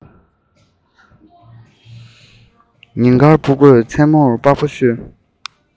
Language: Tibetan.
ཉིན དཀར འབུ བརྐོས མཚན མོར པགས པ བཤུས